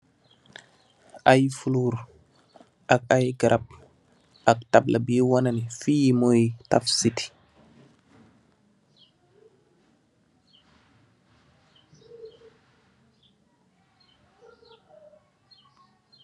Ay foloor ak ay garab ak tabala bi wane ne fii moy Taf City